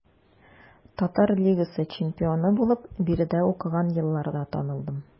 Татар лигасы чемпионы булып биредә укыган елларда танылдым.